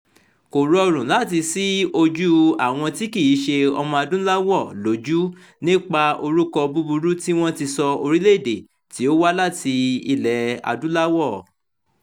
Kò rọrùn láti ṣí ojú àwọn tí kì í ṣe ọmọ-adúláwọ̀ lójú nípa orúkọ búburú tí wọn ti sọ orílẹ̀-èdè tí ó wá láti Ilẹ̀-adúláwọ̀.